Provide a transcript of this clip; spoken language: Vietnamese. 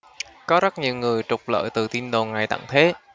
có rất nhiều người trục lợi từ tin đồn ngày tận thế